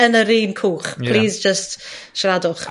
yn yr un cwch. Ia. Plîs jyst siaradwch .